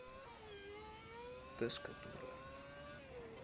дашка дура